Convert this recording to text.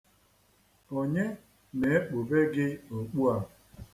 Onye na-ekpube gị okpu a?